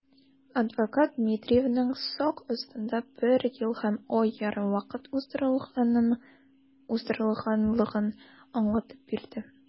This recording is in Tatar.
Адвокат Дмитриевның сак астында бер ел һәм ай ярым вакыт уздырганлыгын аңлатып бирде.